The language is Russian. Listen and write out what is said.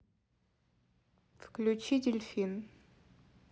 включи дельфин